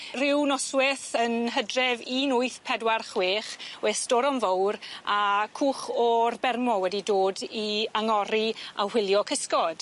Ryw noswyth yn Hydref un wyth pedwar chwech we' storom fowr a cwch o'r Bermo wedi dod i angori a whilio cysgod.